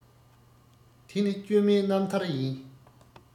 དེ ནི བཅོས མའི རྣམ ཐར ཡིན